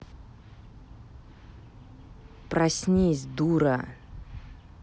проснись дура